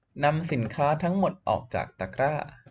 นำสินค้าทั้งหมดออกจากตะกร้า